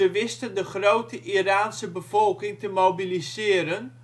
wisten de grote Iraanse bevolking te mobiliseren